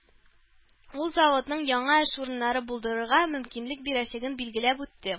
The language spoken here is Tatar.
Ул заводның яңа эш урыннары булдырырга мөмкинлек бирәчәген билгеләп үтте